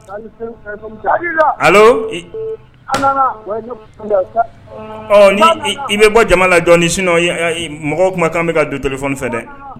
Ni i bɛ bɔ jama la dɔɔni sinon mɔgɔw kuma kan bɛ ka don téléphone fɛ dɛ.